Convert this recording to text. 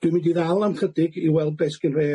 Dwi'n mynd i ddal am chydig i weld be' sgyn rhei